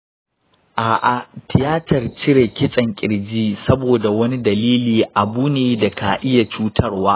a’a, tiyatar cire kitsen ƙirji, saboda wani dalili, abu ne da ka iya cutarwa.